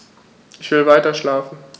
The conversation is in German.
Ich will weiterschlafen.